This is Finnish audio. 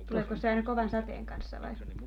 tuleekos se aina kovan sateen kanssa vai